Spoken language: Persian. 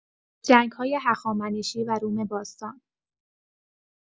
جنگ‌های هخامنشی و روم باستان